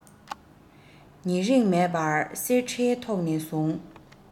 ཉེ རིང མེད པར གསེར ཁྲིའི ཐོགས ནས བཟུང